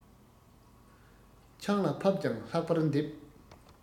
ཆང ལ ཕབ ཀྱང ལྷག པར འདེབས